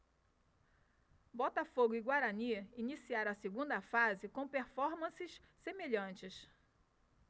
botafogo e guarani iniciaram a segunda fase com performances semelhantes